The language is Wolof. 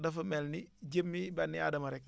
dafa mel ni jëmmi benn aadama rek